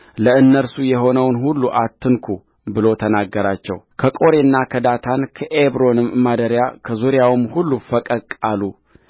ለእነርሱ የሆነውን ሁሉ አትንኩ ብሎ ተናገራቸውከቆሬና ከዳታን ከአቤሮንም ማደሪያ ከዙሪያውም ሁሉ ፈቀቅ አሉ